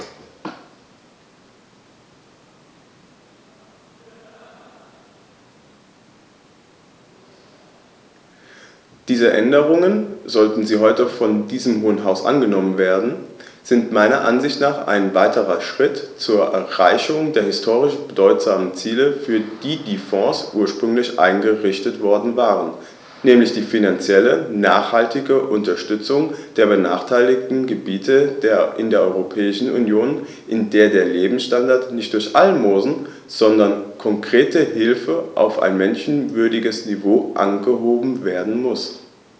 Diese Änderungen, sollten sie heute von diesem Hohen Haus angenommen werden, sind meiner Ansicht nach ein weiterer entscheidender Schritt zur Erreichung der historisch bedeutsamen Ziele, für die die Fonds ursprünglich eingerichtet worden waren, nämlich die finanziell nachhaltige Unterstützung der benachteiligten Gebiete in der Europäischen Union, in der der Lebensstandard nicht durch Almosen, sondern konkrete Hilfe auf ein menschenwürdiges Niveau angehoben werden muss.